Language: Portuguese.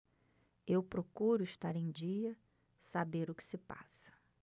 eu procuro estar em dia saber o que se passa